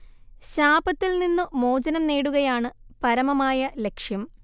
ശാപത്തിൽ നിന്നു മോചനം നേടുകയാണു പരമമായ ലക്ഷ്യം